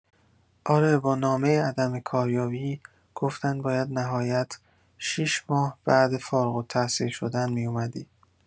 آره با نامه عدم کاریابی، گفتن باید نهایت شیش ماه بعد فارغ‌التحصیل شدن میومدی